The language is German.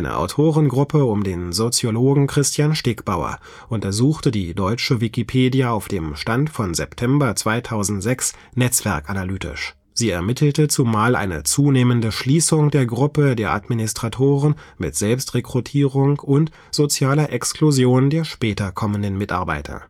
Autorengruppe um den Soziologen Christian Stegbauer untersuchte die deutsche Wikipedia auf dem Stand vom September 2006 netzwerkanalytisch. Sie ermittelte zumal eine zunehmende Schließung der Gruppe der Administratoren mit Selbstrekrutierung und sozialer Exklusion der später kommenden Mitarbeiter